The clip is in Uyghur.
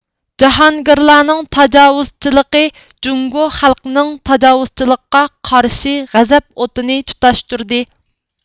جاھانگىرلارنىڭ تاجاۋۇزچىلىقى جۇڭگو خەلقنىڭ تاجاۋۇزچىلىققا قارشى غەزەپ ئوتىنى تۇتاشتۇردى